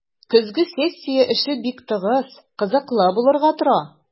Көзге сессия эше бик тыгыз, кызыклы булырга тора.